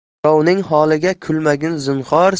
birovning holiga kulmagin zinhor